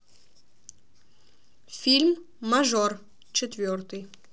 фильм мажор четвертый